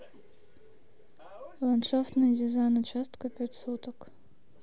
ландшафтный дизайн участка пять соток